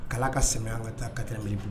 K' ka sɛmɛ an ka taa kara bɛ i bolo